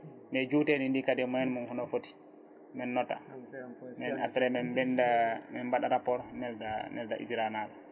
mais jutedi ndi kadi e moyenne mum hono footi min nota après min bnda min mbaɗa rapport nelda nelda AICCRA naaɓe